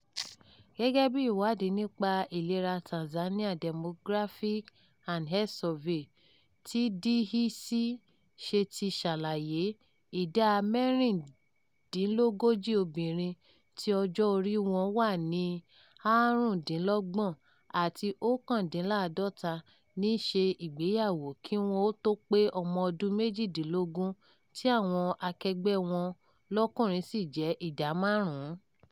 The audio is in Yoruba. Gẹ́gẹ́ bí ìwádìí nípa ìlera Tanzania Demographic and Health Survey (TDHS) ṣe ti ṣàlàyé, ìdá 36 obìnrin tí ọjọ́ oríi wọ́n wà ní 25-49 ní í ṣe ìgbéyàwó kí wọn ó tó pé ọmọ ọdún méjìdínlógún, tí àwọn akẹgbẹ́ẹ wọn lọ́kùnrin sí jẹ́ ìdá 5.